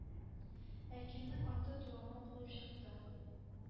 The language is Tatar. Ә Кимнең аты дуамал булып чыкты, һ